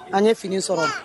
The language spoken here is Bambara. An ɲe fini sɔrɔ